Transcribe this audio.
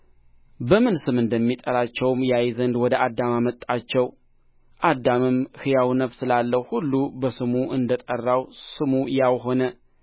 በምን ስም እንደሚጠራቸውም ያይ ዘንድ ወደ አዳም አመጣቸው አዳምም ሕያው ነፍስ ላለው ሁሉ በስሙ እንደ ጠራው ስሙ ያው ሆነ